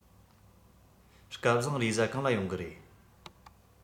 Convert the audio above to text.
སྐལ བཟང རེས གཟའ གང ལ ཡོང གི རེད